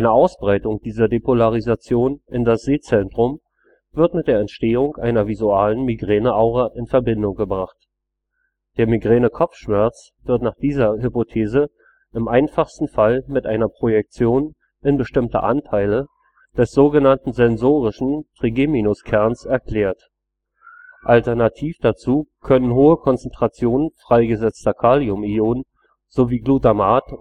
Ausbreitung dieser Depolarisation in das Sehzentrum wird mit der Entstehung einer visuellen Migräneaura in Verbindung gebracht. Der Migränekopfschmerz wird nach dieser Hypothese im einfachsten Fall mit einer Projektion in bestimmte Anteile des sogenannten sensorischen Trigeminuskerns erklärt. Alternativ dazu können hohe Konzentrationen freigesetzter Kaliumionen sowie Glutamat